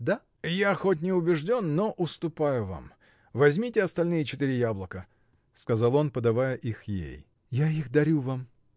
— Да. — Я хоть не убежден, но уступаю вам: возьмите остальные четыре яблока! — сказал он, подавая их ей. — Я их дарю вам.